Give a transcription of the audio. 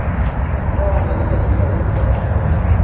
Хәмзә абый вәкил алдында акланды.